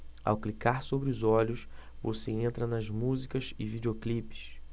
ao clicar sobre os olhos você entra nas músicas e videoclipes